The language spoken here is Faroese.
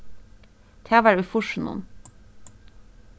tað var í fýrsunum